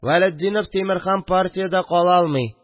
Вәлетдинов Тимерхан партиядә кала алмый